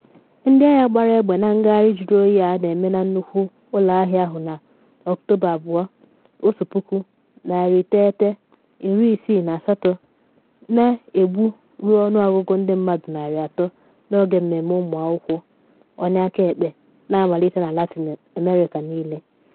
Ndị agha gbara egbe na ngagharị juru oyi a na eme na nnukwu ụlọ ahịa ahụ na Ọktoba 2, 1968, na egbu ruo ọnụọgụ ndị mmadụ 300 n’oge mmemme ụmụ akwụkwọ onye akaekpe na amalite na Latin America niile.